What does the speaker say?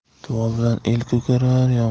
duo bilan el ko'karar